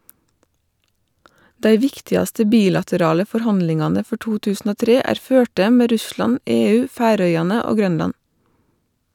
Dei viktigaste bilaterale forhandlingane for 2003 er førte med Russland, EU, Færøyane og Grønland.